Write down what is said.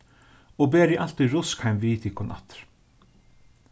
og berið altíð rusk heim við tykkum aftur